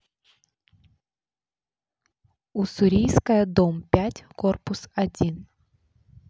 уссурийская дом пять корпус один